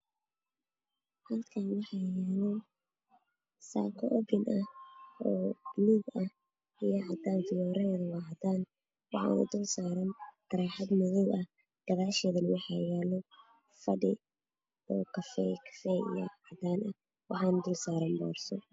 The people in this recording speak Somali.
Halkaan waxaa yaalo saako obin ah oo buluug iyo cadaan fiyoraheeda cadaan ah waxaana dulsaaran taraaxad madow ah gadaasheedana waxaa yaalo fadhi oo kafey kafeey iyo cadaan ah waxaana dulsaaran boorso